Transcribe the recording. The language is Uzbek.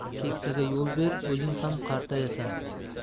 keksaga yo'l ber o'zing ham qartayasan